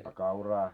a kauraa